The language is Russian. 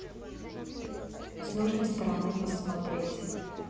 с нужной стороны посмотреть